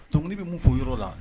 Tomuni bɛ mun fɔ yɔrɔ la